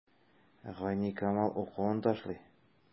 Гайникамал укуын ташлый.